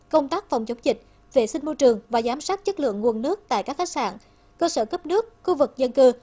công tác phòng chống dịch vệ sinh môi trường và giám sát chất lượng nguồn nước tại các khách sạn cơ sở cấp nước khu vực dân cư